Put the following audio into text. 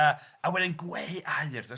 ...yy a wedyn 'Gwe aur' de.